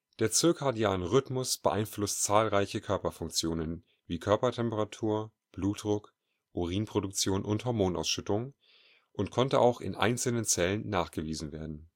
Der circadiane Rhythmus beeinflusst zahlreiche Körperfunktionen, wie Körpertemperatur, Blutdruck, Urinproduktion und Hormonausschüttung, und konnte auch in einzelnen Zellen nachgewiesen werden